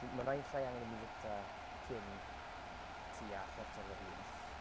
Ma' naill a'i angen i fi fyta cyn tua chwarter wedi wyth